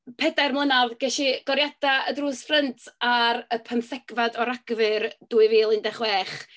Pedair mlynedd. Ges i goriadau y drws ffrynt ar y pymthegfed o Ragfyr dwy fil un deg chwech.